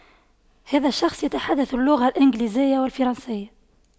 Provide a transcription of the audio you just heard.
هذا الشخص يتحدث اللغة الإنجليزية والفرنسية